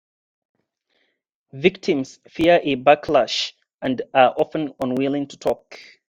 Victims fear a backlash and are often unwilling to talk